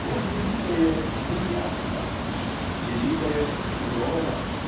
Но великое не мягко, великое сурово.